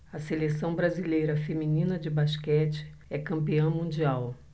a seleção brasileira feminina de basquete é campeã mundial